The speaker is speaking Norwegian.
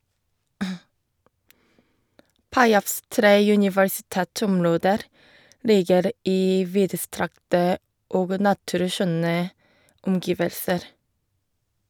Payaps tre universitetsområder ligger i vidstrakte og naturskjønne omgivelser.